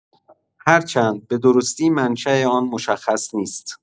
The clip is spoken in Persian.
هر چند به‌درستی منشا آن مشخص نیست.